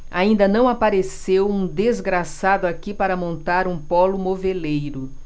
ainda não apareceu um desgraçado aqui para montar um pólo moveleiro